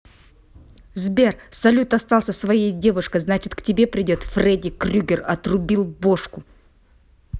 сбер салют остался с своей девушкой значит к тебе придет фредди крюгер отрубил бошку